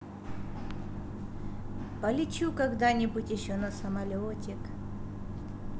полечу когда нибудь еще на самолетик